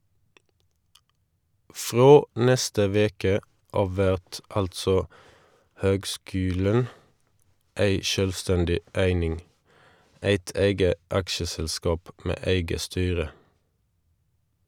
Frå neste veke av vert altså høgskulen ei sjølvstendig eining, eit eige aksjeselskap med eige styre.